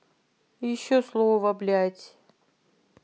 еще слово блять